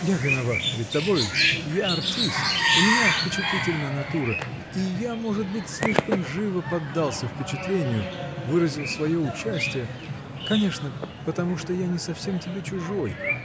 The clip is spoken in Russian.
— Я виноват перед тобой: я артист, у меня впечатлительная натура, и я, может быть, слишком живо поддался впечатлению, выразил свое участие — конечно, потому, что я не совсем тебе чужой.